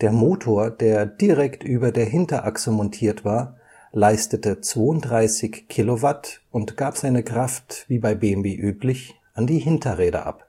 Der Motor, der direkt über der Hinterachse montiert war, leistete 32 kW und gab seine Kraft, wie bei BMW üblich, an die Hinterräder ab